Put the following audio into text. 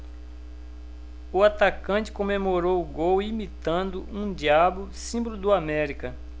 o atacante comemorou o gol imitando um diabo símbolo do américa